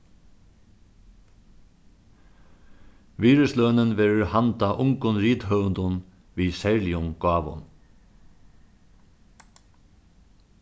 virðislønin verður handað ungum rithøvundum við serligum gávum